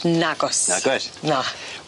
Nagos. Nagoes. Na.